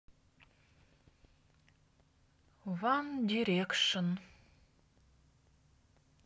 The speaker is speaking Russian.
ван дирекшн